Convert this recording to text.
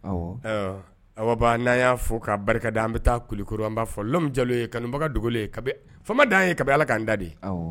A n'a y'a fɔ ka barika an bɛ taa kululi n b'a fɔ lamu jeliwlo ye kanubaga dogo faamama dan ye ka ala ka'an da de